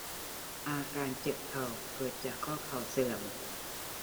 อาการเจ็บเข่าเกิดจากข้อเข่าเสื่อม